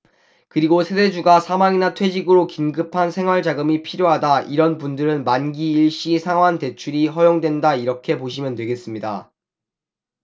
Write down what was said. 그리고 세대주가 사망이나 퇴직으로 긴급한 생활자금이 필요하다 이런 분들은 만기 일시 상환대출이 허용된다 이렇게 보시면 되겠습니다